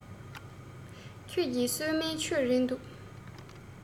ཁྱེད ཀྱིས གསོལ སྨན མཆོད རན འདུག